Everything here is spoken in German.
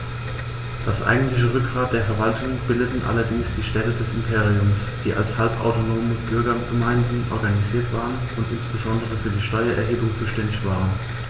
Das eigentliche Rückgrat der Verwaltung bildeten allerdings die Städte des Imperiums, die als halbautonome Bürgergemeinden organisiert waren und insbesondere für die Steuererhebung zuständig waren.